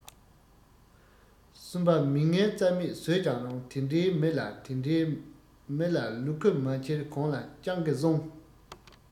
གསུམ པ མི ངན རྩ མེད བཟོས ཀྱང རུང དེ འདྲའི མི ལ དེ འདྲའི མི ལ ལུ གུ མ འཁྱེར གོང ལ སྤྱང ཀི སྲུངས